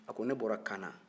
a ko ne bɔra kaana